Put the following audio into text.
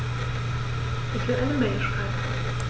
Ich will eine Mail schreiben.